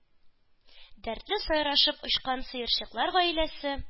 Дәртле сайрашып очкан сыерчыклар гаиләсе